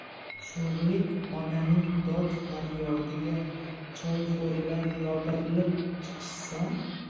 sho'rlik onaning dod faryodiga choyxo'rlar yopirilib chiqishsa